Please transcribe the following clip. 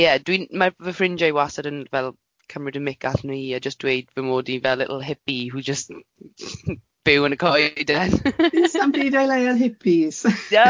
A ie dwi'n mae fy ffrindiau wastad yn fel cymryd y mic allan o i a jyst dweud fy mod i fel little hippie wi'n jyst byw yn y coeden? S'am byd o'i le a hippies.